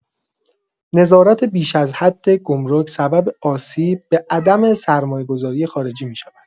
نظارت بیش از حد گمرک سبب آسیب به عدم سرمایه‌گذاری خارجی می‌شود.